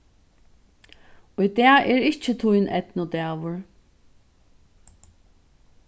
í dag er ikki tín eydnudagur